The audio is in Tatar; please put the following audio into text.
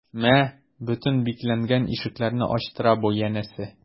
Мә, бөтен бикләнгән ишекләрне ачтыра бу, янәсе...